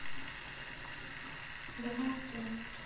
два д